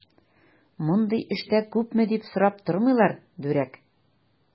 Мондый эштә күпме дип сорап тормыйлар, дүрәк!